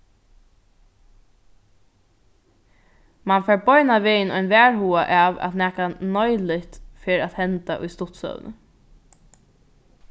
mann fær beinanvegin ein varhugan av at nakað neiligt fer at henda í stuttsøguni